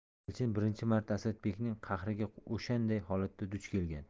elchin birinchi marta asadbekning qahriga o'shanday holatda duch kelgan